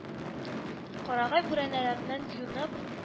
Карагай бүрәнәләрдән юнып